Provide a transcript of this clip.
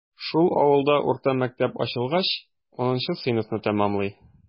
Шул авылда урта мәктәп ачылгач, унынчы сыйныфны тәмамлый.